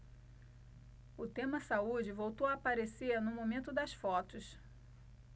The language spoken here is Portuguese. o tema saúde voltou a aparecer no momento das fotos